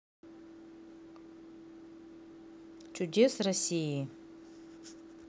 чудес россии